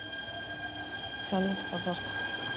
салют ты какашка